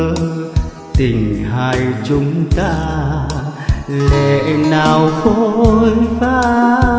tình hai chúng ta lẽ nào phôi phai